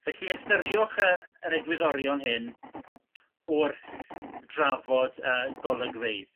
Felly ystyriwch yr egwyddorion hyn wrth drafod y golygfeydd.